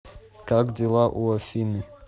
как дела у афины